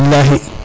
bilahi